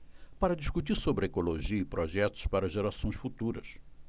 para discutir sobre ecologia e projetos para gerações futuras